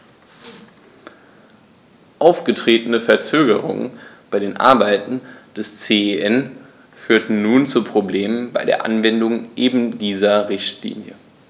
Aufgetretene Verzögerungen bei den Arbeiten des CEN führen nun zu Problemen bei der Anwendung eben dieser Richtlinie.